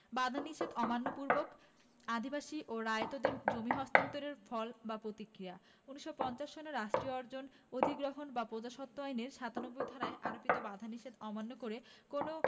বাধানিষেধ অমান্য পূর্বক আদিবাসী রায়তদের জমি হস্তান্তরের ফল বা প্রতিক্রিয়া ১৯৫০ সনের রাষ্ট্রীয় অর্জন অধিগ্রহণ ও প্রজাস্বত্ব আইনের ৯৭ ধারায় আরোপিত বাধানিষেধ অমান্য করে কোনও